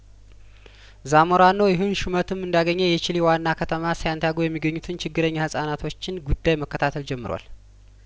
ዛሞራኖ ይህን ሹመትም እንዳገኘ የቺሊ ዋና ከተማ ሳንቲያጐ የሚገኙትን ችግረኛ ህጻናቶችን ጉዳይ መከታተል ጀምሯል